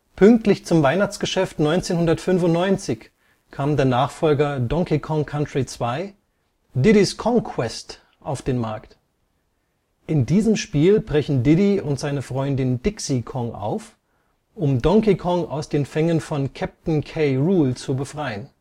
Pünktlich zum Weihnachtsgeschäft 1995 kam der Nachfolger Donkey Kong Country 2: Diddy 's Kong Quest auf den Markt. In diesem Spiel brechen Diddy und seine Freundin Dixie Kong auf, um Donkey Kong aus den Fängen von Kaptain K. Rool zu befreien